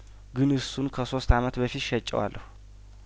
ግን እሱን ከሶስት አመት በፊት ሸጬዋለሁ